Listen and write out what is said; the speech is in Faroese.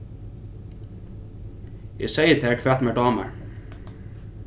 eg segði tær hvat mær dámar